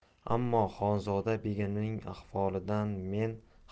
ammo xonzoda begimning ahvolidan men